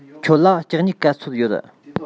ཁྱོད ལ ལྕགས སྨྱུག ག ཚོད ཡོད